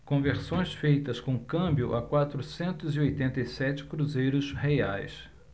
conversões feitas com câmbio a quatrocentos e oitenta e sete cruzeiros reais